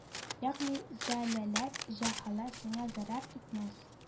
Ягъни зәляләт җәһалә сиңа зарар итмәс